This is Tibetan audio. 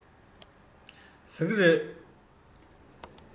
ཟ ཀི རེད